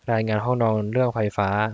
รายงานห้องนอนเรื่องไฟฟ้า